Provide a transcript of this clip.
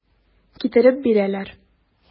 Китереп бирәләр.